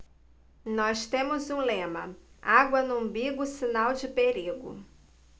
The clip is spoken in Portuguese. nós temos um lema água no umbigo sinal de perigo